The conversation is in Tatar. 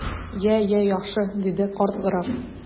Я, я, яхшы! - диде карт граф.